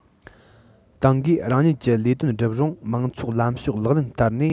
ཏང གིས རང ཉིད ཀྱི ལས དོན སྒྲུབ རིང མང ཚོགས ལམ ཕྱོགས ལག ལེན བསྟར ནས